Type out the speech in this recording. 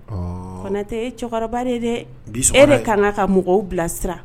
Kɔntɛ e cɛkɔrɔba de dɛ e de ka ka mɔgɔw bilasira